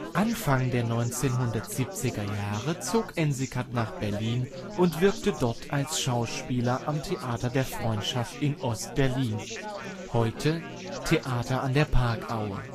Anfang der 1970er Jahre zog Ensikat nach Berlin und wirkte dort als Schauspieler am Theater der Freundschaft in Ost-Berlin (heute: Theater an der Parkaue